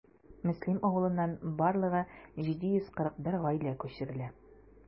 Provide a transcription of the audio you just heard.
Мөслим авылыннан барлыгы 741 гаилә күчерелә.